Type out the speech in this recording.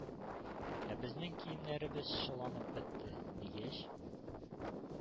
Ә безнең киемнәребез чыланып бетте,— дигәч,